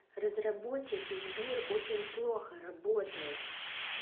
разработчики сбер очень плохо работает